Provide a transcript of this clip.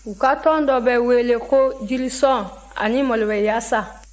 u ka tɔn dɔ bɛ wele ko jirisɔn ani malobaliyaasa